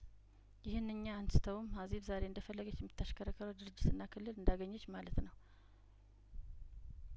ይህን እኛ አንስተውም ሀዜብ ዛሬ እንደፈለገች የምታ ሽክረ ክረው ድርጅትና ክልል እንዳገኘች ማለት ነው